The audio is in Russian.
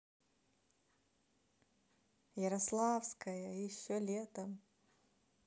ярославская еще летом